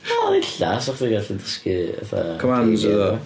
Wel ella 'sech chdi gallu dysgu fatha... Commands iddo fo.